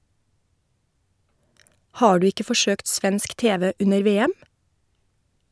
Har du ikke forsøkt svensk TV under VM?